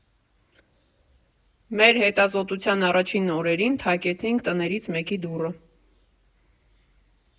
Մեր հետազոտության առաջին օրերին թակեցինք տներից մեկի դուռը.